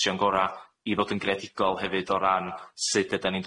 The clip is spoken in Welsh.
trio'n gora' i fod yn greadigol hefyd o ran sud ydan ni'n